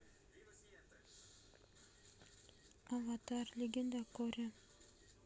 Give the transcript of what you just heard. аватар легенда о корре